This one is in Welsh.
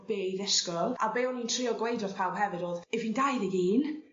be' i ddisgwl a be' o'n i'n trio gweud wrth pawb hefyd o'dd 'yf fi'n dau ddeg un